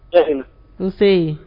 Nse